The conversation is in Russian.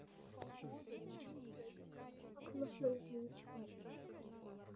а к массажисту